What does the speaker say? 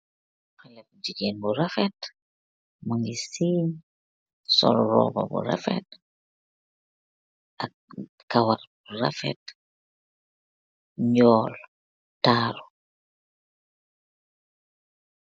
Haleh bu gigain bu rafet mungy siingh, sol robah bu rafet, ak kawarr bu rafet, njol, taaru.